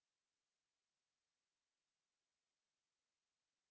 holko yowiti e banggue établissement Kane et fils eɗen gartide makko ɗo